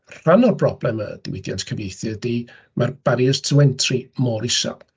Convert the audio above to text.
Rhan o'r broblem yn y diwydiant cyfeithu ydy, ma'r barriers to entry mor isel.